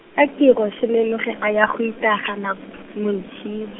ka tiro, Semenogi a ya go itaagana, Montshiw-.